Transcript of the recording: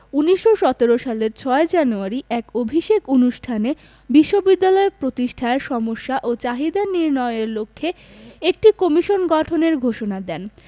১৯১৭ সালের ৬ জানুয়ারি এক অভিষেক অনুষ্ঠানে বিশ্ববিদ্যালয় প্রতিষ্ঠার সমস্যা ও চাহিদা নির্ণয়ের লক্ষ্যে একটি কমিশন গঠনের ঘোষণা দেন